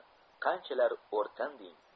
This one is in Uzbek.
qanchalar o'rtanding